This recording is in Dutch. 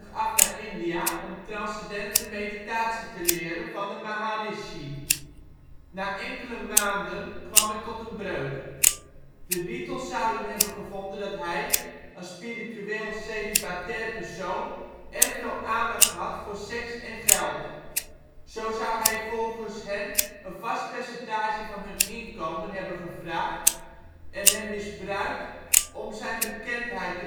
af naar India om Transcendente Meditatie te leren van de Maharishi. Na enkele maanden kwam het tot een breuk. De Beatles zouden hebben gevonden dat hij, als spiritueel, celibatair persoon, erg veel aandacht had voor seks en geld. Zo zou hij volgens hen een vast percentage van hun inkomen hebben gevraagd en hen misbruikt om zijn bekendheid